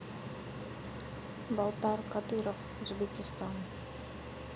балтар кадыров узбекистан